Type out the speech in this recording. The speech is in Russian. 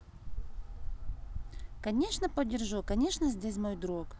конечно поддержу конечно здесь мой друг